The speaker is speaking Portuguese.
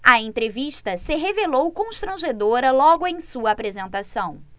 a entrevista se revelou constrangedora logo em sua apresentação